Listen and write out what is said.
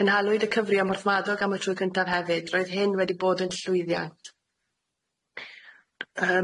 Cynhalwyd y cyfri ym Morthmadog am y trwy gyntaf hefyd roedd hyn wedi bod yn llwyddiant. Yym